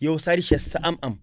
yow sa richesse sa am-am